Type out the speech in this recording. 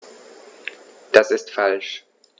Das ist falsch.